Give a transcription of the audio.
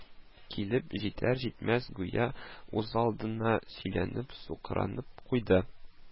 Килеп җитәр-җитмәс, гүя үзалдына сөйләнеп-сукранып куйды: